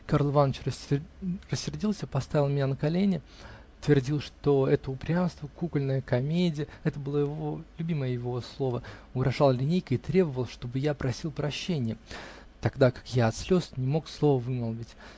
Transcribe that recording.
Карл Иваныч рассердился, поставил меня на колени, твердил, что это упрямство, кукольная комедия (это было любимое его слово), угрожал линейкой и требовал, чтобы я просил прощенья, тогда как я от слез не мог слова вымолвить